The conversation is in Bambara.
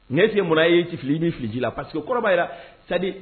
Ne tɛ munna i ye ji fili, o b'i fili ji la parce que o kɔrɔ b'a.m C'est. a. dkre